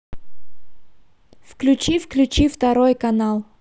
включи включи второй канал